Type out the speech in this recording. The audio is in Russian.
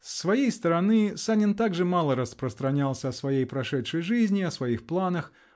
С своей стороны, Санин также мало распространялся о своей прошедшей жизни, о своих планах